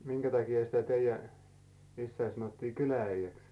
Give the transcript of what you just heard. minkä takia sitä teidän isää sanottiin kylä-äijäksi